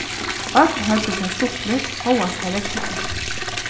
øll høvdu tað stuttligt hóast tað regnaði